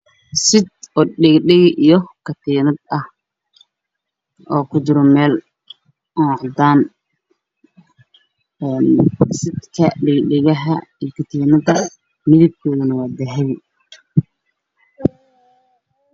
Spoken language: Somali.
Sed oo dhegdhego io katiid ah oo kujiro mel cadan kalarkoden waa dahbi